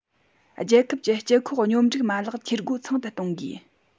རྒྱལ ཁབ ཀྱི སྤྱི ཁོག སྙོམས སྒྲིག མ ལག འཐུས སྒོ ཚང དུ གཏོང དགོས